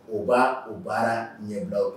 U b' u baara ɲɛbaww kɛ